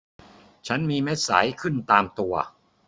ฉันมีเม็ดใสขึ้นตามตัว